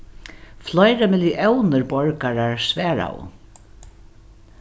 fleiri milliónir borgarar svaraðu